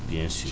bien sûr